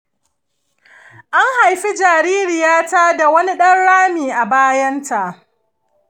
an haifi jaririyata da wani ɗan rami a bayanta.